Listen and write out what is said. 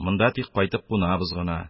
Монда тик кайтып кунабыз гына.